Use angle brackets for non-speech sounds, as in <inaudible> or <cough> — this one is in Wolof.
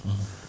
<hesitation> <hesitation>